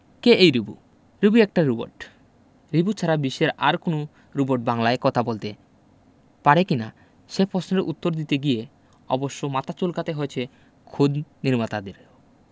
কে এই রিবো রিবো একটা রোবট রিবো ছাড়া বিশ্বের আর কোনো রোবট বাংলায় কথা বলতে পারে কি না সে প্রশ্নের উত্তর দিতে গিয়ে অবশ্য মাথা চুলকাতে হয়েছে খোদ নির্মাতাদেরও